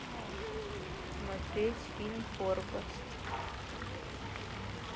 смотреть фильм форпост